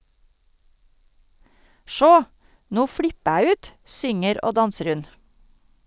- Sjå, no flippe æ ut, synger og danser hun.